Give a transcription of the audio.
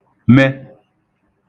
me